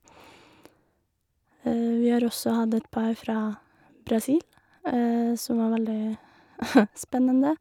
Vi har også hatt et par fra Brasil, som var veldig spennende.